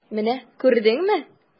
Менә күрдеңме?